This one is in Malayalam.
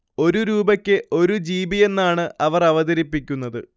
ഒരു രൂപയ്ക്ക് ഒരു ജിബിയെന്നാണ് അവർ അവതരിപ്പിക്കുന്നത്